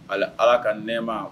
Hali ala ka n nɛma